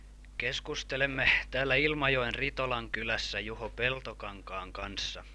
Keskustelemme täällä Ilmajoen Ritolankylässä Juho Peltokankaan kanssa.